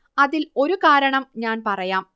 അതിൽ ഒരു കാരണം ഞാൻ പറയാം